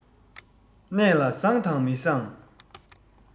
གནས ལ བཟང དང མི བཟང